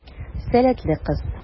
Сәләтле кыз.